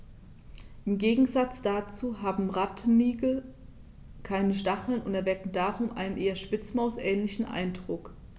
Im Gegensatz dazu haben Rattenigel keine Stacheln und erwecken darum einen eher Spitzmaus-ähnlichen Eindruck.